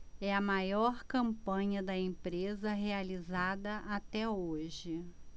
é a maior campanha da empresa realizada até hoje